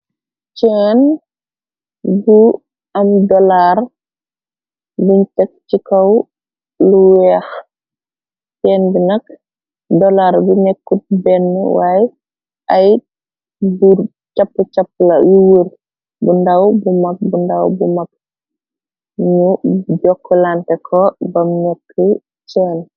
Cheen bu am dollar biñ tëk ci kaw lu weex benne bi nag dollar bi nekkut benn waay ay bu capp-capp la yu wur bu ndaw bu mag bu ndaw bu mag ñu jokklante ko bam nekk chenn.